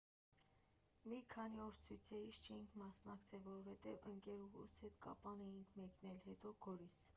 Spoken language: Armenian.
Մի քանի օր ցույցերին չէինք մասնակցել, որովհետև ընկերուհուս հետ Կապան էինք մեկնել, հետո՝ Գորիս։